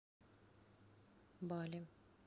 балли